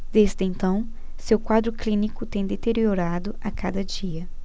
desde então seu quadro clínico tem deteriorado a cada dia